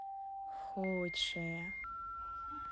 худшее